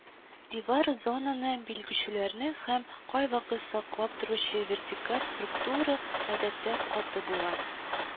Дивар - зонаны билгеләүче һәм кайвакыт саклап торучы вертикаль структура, гадәттә каты була